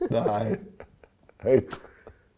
det er høyt.